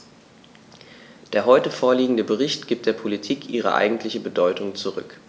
Der heute vorliegende Bericht gibt der Politik ihre eigentliche Bedeutung zurück.